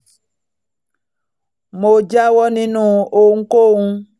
"Mi ò jáwọ́ nínú ohunkóhun".